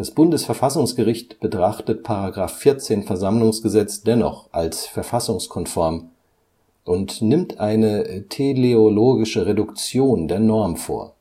Bundesverfassungsgericht betrachtet § 14 VersammlG dennoch als verfassungskonform und nimmt eine teleologische Reduktion der Norm vor